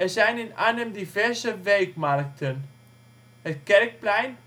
zijn in Arnhem diverse weekmarkten: Kerkplein